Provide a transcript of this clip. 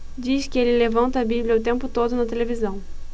diz que ele levanta a bíblia o tempo todo na televisão